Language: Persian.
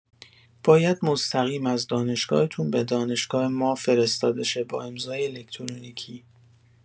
باید مستقیم از دانشگاه‌تون به دانشگاه ما فرستاده شه با امضای الکترونیکی